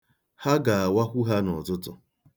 Ha ga-awakwu ha n'ụtụtụ.